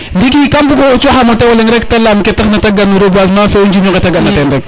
ndiki kam bugo coxam o tewo leŋrek te leyam ke tax na tw gar no reboisement fe o njirño nge te gana ten